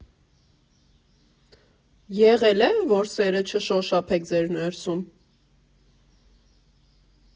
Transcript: Եղե՞լ է, որ սերը չշոշափեք ձեր ներսում։